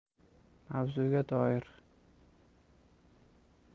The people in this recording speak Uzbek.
mavzuga doir